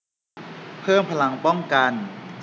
เพิ่มพลังป้องกัน